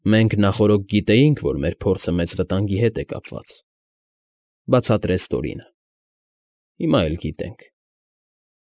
Մենք նախօրոք գիտեինք, որ մեր փորձը մեծ վտանգի հետ է կապված,֊ բացատրեց Տորինը,֊ հիմա էլ գիտենք։